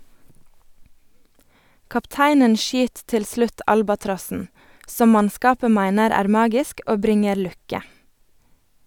Kapteinen skyt til slutt albatrossen, som mannskapet meiner er magisk og bringer lukke.